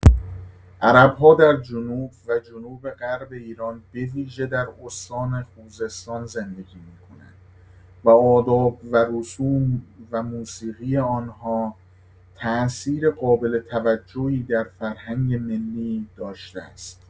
عرب‌ها در جنوب و جنوب‌غرب ایران به‌ویژه در استان خوزستان زندگی می‌کنند و آداب و رسوم و موسیقی آنها تأثیر قابل توجهی در فرهنگ ملی داشته است.